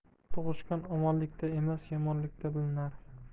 tug'ishgan omonlikda emas yomonlikda bilinar